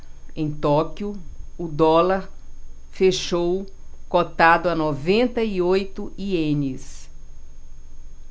em tóquio o dólar fechou cotado a noventa e oito ienes